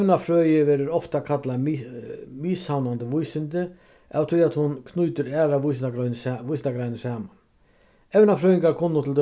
evnafrøði verður ofta kallað miðsavnandi vísindi av tí at hon knýtir aðrar vísindagreinir vísindagreinir saman evnafrøðingar kunnu til